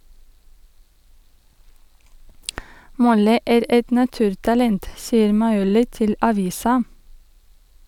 Molly er et naturtalent , sier Maioli til avisa.